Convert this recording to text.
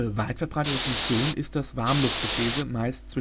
weitverbreitete Funktion ist das Warmluftgebläse, meist